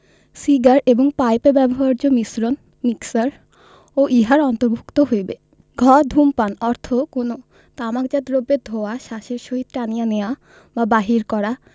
cigar এবং পাইপে ব্যবহার্য মিশ্রণ মিক্সার ও ইহার অন্তর্ভুক্ত হইবে ঘ ধূমপান অর্থ কোন তামাকজাত দ্রব্যের ধোঁয়া শ্বাসের সহিত টানিয়া নেওয়া বা বাহির করা